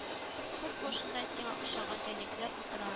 Көрт башында сиңа охшаган җәнлекләр утыра